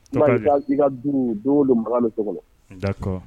I ka ma tɔgɔ